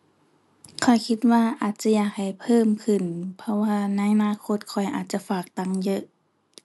ข้อยคิดว่าอาจจะอยากให้เพิ่มขึ้น เพราะว่าในอนาคตข้อยอาจจะฝากตังเยอะ